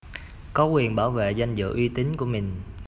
có quyền bảo vệ danh dự uy tín của mình